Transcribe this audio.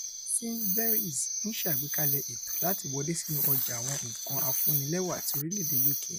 Sainsbury's ńṣàgbékalẹ̀ ètò láti wọlé sínú ọjà àwọn nǹkan afúnnilẹ́wà ti orílẹ̀-èdè UK